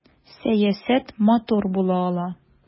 Сәясәт матур була ала!